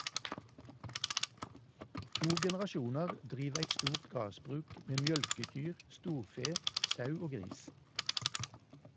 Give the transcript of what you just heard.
To generasjonar driv eit stort gardsbruk med mjølkekyr, storfe, sau og gris.